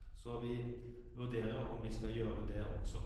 Så vi vurderer om vi skal gjøre det også.